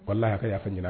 Wala a ka y yafa ɲini